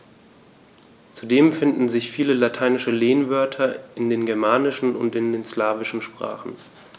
Zudem finden sich viele lateinische Lehnwörter in den germanischen und den slawischen Sprachen.